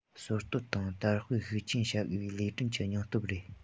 སྲོལ གཏོད དང དར སྤེལ ཤུགས ཆེན བྱ དགོས པའི ལས སྐྲུན གྱི སྙིང སྟོབས རེད